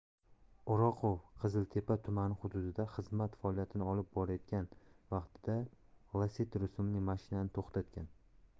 o'roqov qiziltepa tumani hududida xizmat faoliyatini olib borayotgan vaqtida lacetti rusumli mashinani to'xtatgan